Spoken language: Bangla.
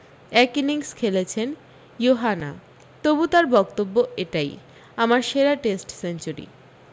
এই ইনিংস খেলেছেন ইউহানা তবু তার বক্তব্য এটাই আমার সেরা টেস্ট সেঞ্চুরি